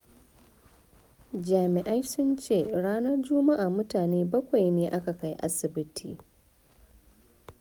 Jami'ai sun ce ranar Jumma'a mutane bakwai ne aka kai asibiti.